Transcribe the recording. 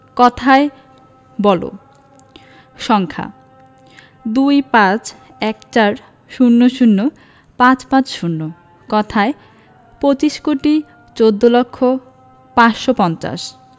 কথায় বলঃ সংখ্যাঃ ২৫ ১৪ ০০ ৫৫০ কথায়ঃ পঁচিশ কোটি চৌদ্দ লক্ষ পাঁচশো পঞ্চাশ